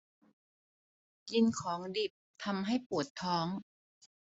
กินของดิบทำให้ปวดท้อง